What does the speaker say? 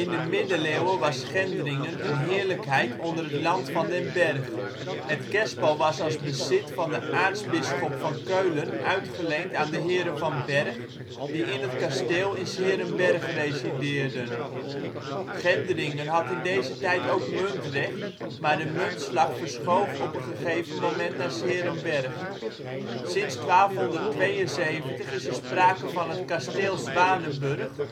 de middeleeuwen was Gendringen een heerlijkheid onder het Land van den Bergh. Het kerspel was als bezit van de aartsbisschop van Keulen uitgeleend aan de heren van Bergh die in het kasteel in ' s-Heerenberg resideerden. Gendringen had in deze tijd ook muntrecht maar de muntslag verschoof op een gegeven moment naar ' s Heerenberg. Sinds 1272 is er sprake van het kasteel Zwanenburg